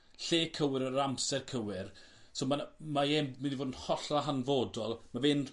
lle cywir ar yr amser cywir so ma' 'na mae e'n myn' i fod yn hollol hanfodol ma' fe'n